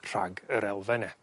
rhag yr elfenne.